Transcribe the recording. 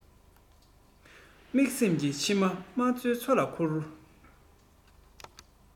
སྨྲེངས སེམས ཀྱི མཆི མ དམའ མོའི མཚོ ལ བསྐུར